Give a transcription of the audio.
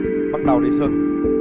bắt đầu đi xuân